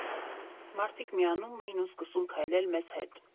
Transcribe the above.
Մարդիկ միանում էին ու սկսում քայլել մեզ հետ։